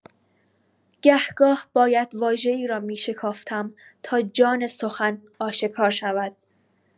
گه‌گاه باید واژه‌ای را می‌شکافتم تا جان سخن آشکار شود.